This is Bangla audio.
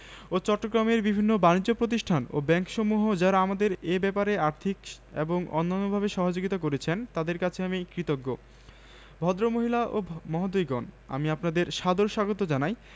এবং আপনাদের আলোচনা ফলপ্রসূ হোক এ কামনা করি ধন্যবাদ এ এম জহিরুদ্দিন খান সভাপতি অভ্যর্থনা পরিষদ